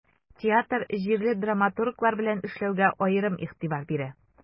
Театр җирле драматурглар белән эшләүгә аерым игътибар бирә.